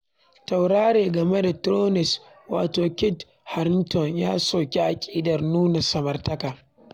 Tauraron Game of Thrones wato Kit Harington ya soki aƙidar nuna samartaka